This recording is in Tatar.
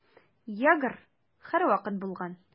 Ягр һәрвакыт булган.